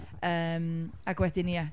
Yym, ac wedyn, ie...